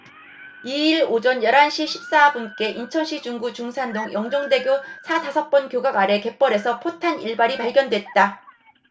이 일 오전 열 한 시 십 사 분께 인천시 중구 중산동 영종대교 사 다섯 번 교각 아래 갯벌에서 포탄 일 발이 발견됐다